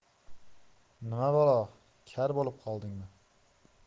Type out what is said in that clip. nima balo kar bo'lib qoldingmi